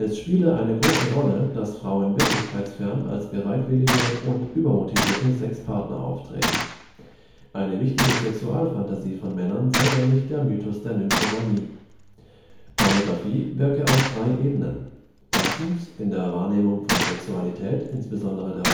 spiele eine große Rolle, dass Frauen wirklichkeitsfern als bereitwillige und übermotivierte Sexpartner auftreten. Eine wichtige Sexualfantasie von Männern sei nämlich der Mythos der Nymphomanie. Pornografie wirke auf drei Ebenen: in der Wahrnehmung von Sexualität, insbesondere der